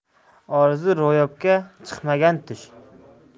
orzu ro'yobga chiqmagan tush